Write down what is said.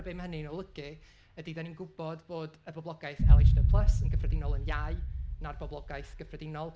Be ma' hynny'n olygu, ydy dan ni'n gwybod bod y boblogaeth LH D plus yn gyffredinol yn iau na'r boblogaeth gyffredinol.